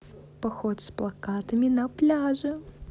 поход с палатками на пляже